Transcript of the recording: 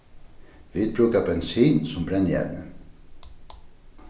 vit brúka bensin sum brennievni